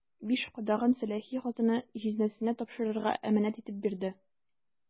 Биш кадагын сәләхи хатыны җизнәсенә тапшырырга әманәт итеп бирде.